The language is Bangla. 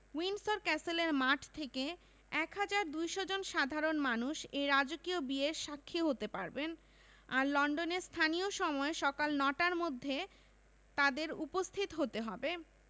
উইন্ডসর ক্যাসেলের মাঠ থেকে ১হাজার ২০০ জন সাধারণ মানুষ এই রাজকীয় বিয়ের সাক্ষী হতে পারবেন আর লন্ডনের স্থানীয় সময় সকাল নয়টার মধ্যে তাঁদের উপস্থিত হতে হবে